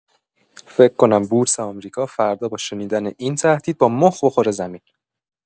فکر کنم بورس آمریکا فردا با شنیدن این تهدید با مخ بخوره زمین.